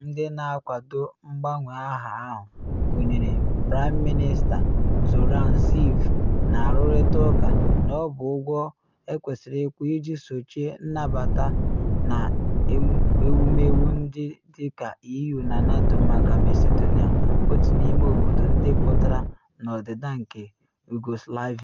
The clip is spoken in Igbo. Ndị na akwado mgbanwe aha ahụ, gụnyere Praịm Minista Zoran Zaev, na arụrịta ụka na ọ bụ ụgwọ ekwesịrị ịkwụ iji sochie nnabata n’ewumewu ndị dị ka EU na NATO maka Macedonia, otu n’ime obodo ndị pụtara n’ọdịda nke Yugoslavia.